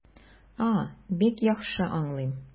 А, бик яхшы аңлыйм.